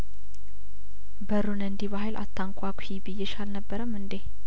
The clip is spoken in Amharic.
በሩን እንዲህ በሀይል አታንኳኲ ብዬሽ አልነበረም እንዴ